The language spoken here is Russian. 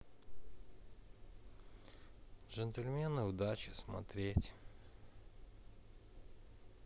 джентльмены удачи смотреть